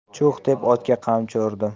chuh deb otga qamchi urdim